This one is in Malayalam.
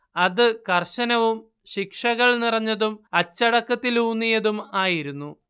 അത് കർശനവും ശിക്ഷകൾ നിറഞ്ഞതും അച്ചടക്കത്തിലൂന്നിയതും ആയിരുന്നു